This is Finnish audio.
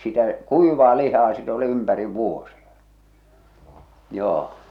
sitä kuivaa lihaa sitten oli ympäri vuosia joo